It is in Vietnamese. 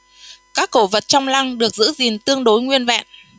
các cổ vật trong lăng được giữ gìn tương đối nguyên vẹn